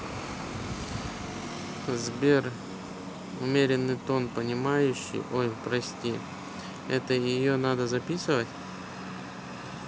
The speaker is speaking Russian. сбер умеренный тон понимающий ой прости это ее не надо записывать